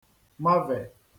mavè